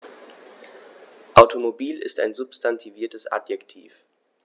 Automobil ist ein substantiviertes Adjektiv.